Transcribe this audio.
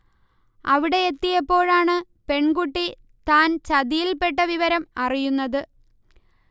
അവിടെ എത്തിയപ്പോഴാണ് പെൺകുട്ടി താൻ ചതിയിൽപ്പെട്ട വിവരം അറിയുന്നത്